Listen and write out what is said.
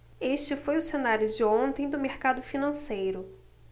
este foi o cenário de ontem do mercado financeiro